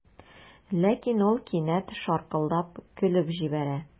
Ләкин ул кинәт шаркылдап көлеп җибәрә.